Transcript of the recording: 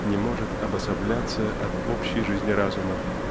не может обособляться от общей жизни разума